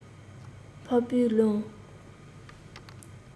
འཕགས པའི ལུང